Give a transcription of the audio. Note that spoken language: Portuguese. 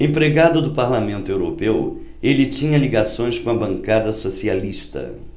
empregado do parlamento europeu ele tinha ligações com a bancada socialista